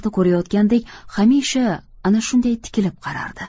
ko'rayotgandek hamisha ana shunday tikilib qarardi